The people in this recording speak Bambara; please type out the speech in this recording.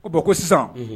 Ko bɔn ko sisan